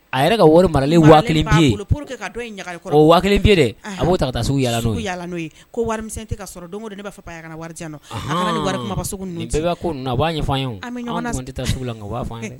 A yɛrɛ ka wari a b'a